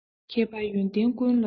མཁས པ ཡོན ཏན ཀུན བསླབས པ